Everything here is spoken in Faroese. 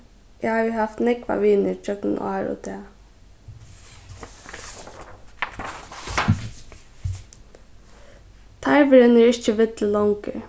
eg havi havt nógvar vinir gjøgnum ár og dag tarvurin er ikki villur longur